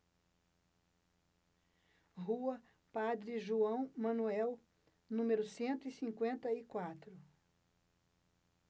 rua padre joão manuel número cento e cinquenta e quatro